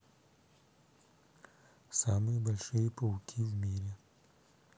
самые большие пауки в мире